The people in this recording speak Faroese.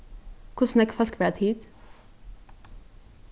hvussu nógv fólk verða tit